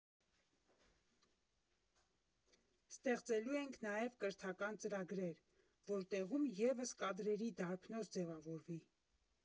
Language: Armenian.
Ստեղծելու ենք նաև կրթական ծրագրեր, որ տեղում ևս կադրերի դարբնոց ձևավորվի։